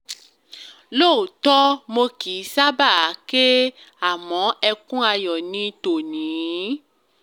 ”Lóòótọ́ mò kìí sábà kẹ́ àmọ́ ẹkún ayọ̀ ni tòní.